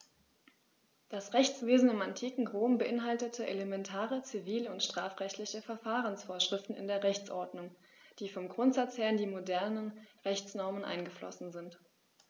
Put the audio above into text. Das Rechtswesen im antiken Rom beinhaltete elementare zivil- und strafrechtliche Verfahrensvorschriften in der Rechtsordnung, die vom Grundsatz her in die modernen Rechtsnormen eingeflossen sind.